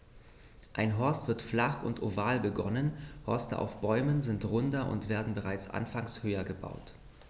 Ein Horst wird flach und oval begonnen, Horste auf Bäumen sind runder und werden bereits anfangs höher gebaut.